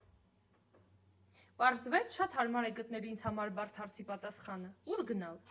Պարզվեց՝ շատ հարմար է գտնել ինձ համար բարդ հարցի պատասխանը՝ ու՞ր գնալ։